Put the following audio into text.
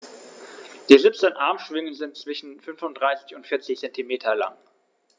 Die 17 Armschwingen sind zwischen 35 und 40 cm lang.